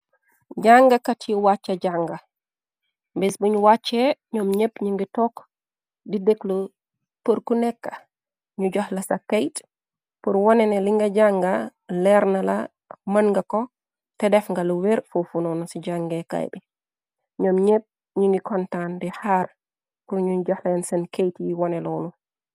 Jàngakat yi wàcha jànga mbes buñu wàcha ñoom ñépp ñi ngi tokk di dëkklu përku nekka ñu joxla ca keyte për wonene linga jànga leerna la mën nga ko te def nga lu wer fofu noonu ci jàngee kaay bi ñoom ñépp ñi ngi kontaan di xaar ku ñu joxleen seen keyte yi wone loonu.